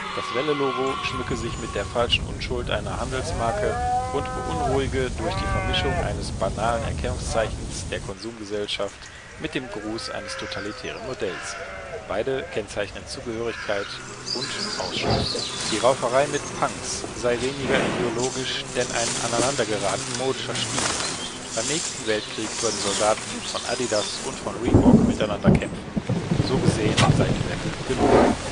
Das Wellen-Logo schmücke sich mit der falschen Unschuld einer Handelsmarke und beunruhige durch die Vermischung eines banalen Erkennungszeichens der Konsumgesellschaft mit dem Gruß eines totalitären Modells: Beide kennzeichnen Zugehörigkeit und Ausschluss. Die Rauferei mit Punks sei weniger ideologisch denn ein Aneinandergeraten modischer Stile. Beim nächsten Weltkrieg würden Soldaten von Adidas und von Reebok miteinander kämpfen, so gesehen sei Die Welle gelungen